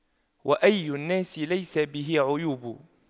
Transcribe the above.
وأي الناس ليس به عيوب